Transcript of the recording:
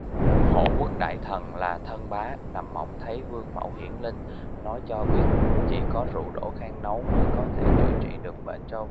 hộ quốc đại thần là thân bá nằm mộng thấy vương mẫu hiển linh nói cho biết chỉ có rượu đỗ khang nấu mới có thể chữa trị được bệnh cho